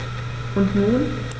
Und nun?